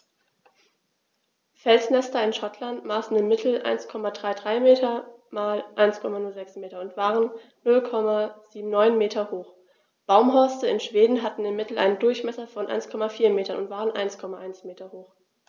Felsnester in Schottland maßen im Mittel 1,33 m x 1,06 m und waren 0,79 m hoch, Baumhorste in Schweden hatten im Mittel einen Durchmesser von 1,4 m und waren 1,1 m hoch.